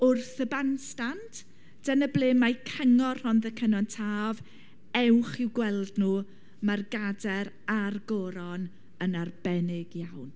Wrth y bandstand, dyna ble mae cyngor Rhondda Cynon Taf, ewch i'w gweld nhw, mae'r gadair a'r goron yn arbennig iawn.